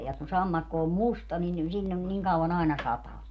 ja kun sammakko on musta niin silloin niin kauan aina sataa